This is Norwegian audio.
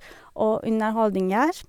Og underholdninger.